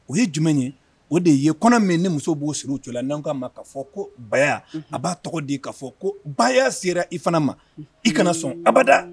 O ye jumɛn ye o de ye kɔnɔ min ne muso b'o siri u cogo la n'aw ka ma ka fɔ ko baya a b'a tɔgɔ de ka fɔ ko ba sera i fana ma i kana sɔn abada